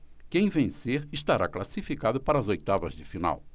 quem vencer estará classificado para as oitavas de final